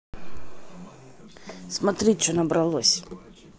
смотри че набралось